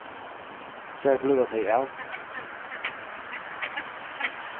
hvar blíva tey av